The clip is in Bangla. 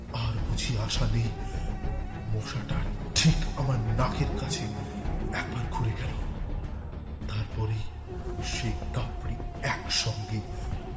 আর বুঝি আশা নেই মশাটা ঠিক আমার নাকের কাছে একবার ঘুরে গেল আর তারপরই সে কাফ্রী একসঙ্গে